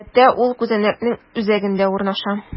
Гадәттә, ул күзәнәкнең үзәгендә урнаша.